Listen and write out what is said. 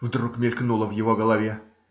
- вдруг мелькнуло в его голове.